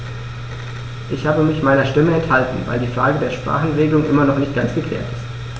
Ich habe mich meiner Stimme enthalten, weil die Frage der Sprachenregelung immer noch nicht ganz geklärt ist.